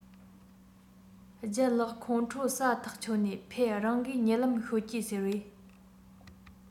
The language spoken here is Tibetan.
ལྗད ལགས ཁོང ཁྲོ ཟ ཐག ཆོད ནས ཕེད རང གིས གཉིད ལམ ཤོད ཀྱིས ཟེར བས